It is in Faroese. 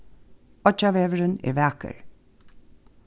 oyggjarvegurin er vakur